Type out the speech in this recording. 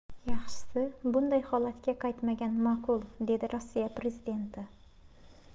yaxshisi bunday holatga qaytmagan ma'qul dedi rossiya prezidenti